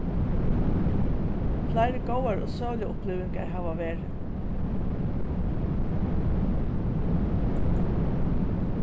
fleiri góðar og søguligar upplivingar hava verið